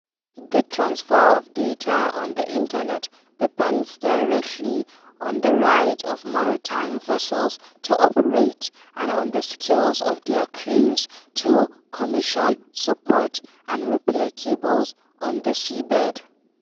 The transfer of data on the internet depends directly on the right of maritime vessels to operate and on the skills of their crews to commission, support, and repair cables on the seabed.